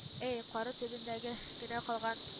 Әй, – кары төбендәге генә калган